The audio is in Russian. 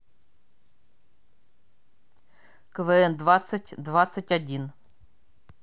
квн двадцать двадцать один